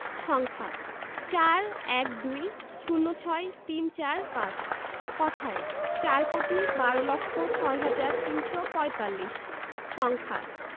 সংখ্যাঃ ৪ ১২ ০৬ ৩৪৫ কথায়ঃ চার কোটি বার লক্ষ ছয় হাজার তিনশো পঁয়তাল্লিশ সংখ্যাঃ